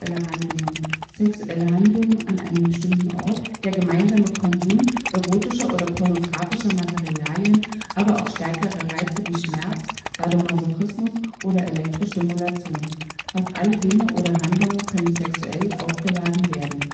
Handlungen, sexuelle Handlungen an einem bestimmter Ort, der gemeinsame Konsum erotischer oder pornografischer Materialien, aber auch stärkere Reize wie Schmerz (Sadomasochismus) oder Elektrostimulation. Fast alle Dinge oder Handlungen können sexuell aufgeladen werden